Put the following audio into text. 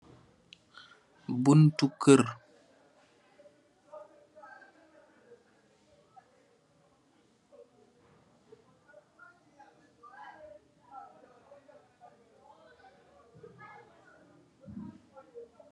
Buntou kerr.